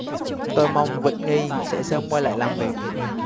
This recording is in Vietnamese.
tôi mong vịnh nghi sẽ sớm quay lại làm việc